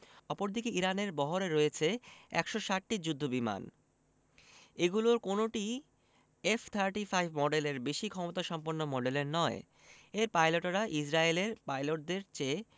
অপরদিকে ইরানের বহরে রয়েছে ১৬০টি যুদ্ধবিমান এগুলোর কোনোটিই এফ থার্টি ফাইভ মডেলের বেশি ক্ষমতাসম্পন্ন মডেলের নয় এর পাইলটেরা ইসরায়েলের পাইলটদের চেয়ে